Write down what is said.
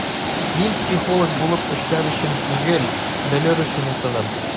Мин психолог булып эшләр өчен түгел, белер өчен укыдым.